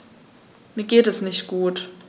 Mir geht es nicht gut.